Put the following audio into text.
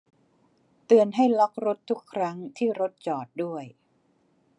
เตือนให้ล็อครถทุกครั้งที่รถจอดด้วย